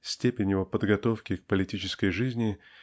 степень его подготовки к политической жизни